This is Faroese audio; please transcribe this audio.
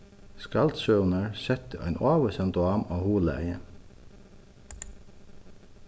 skaldsøgurnar settu ein ávísan dám á huglagið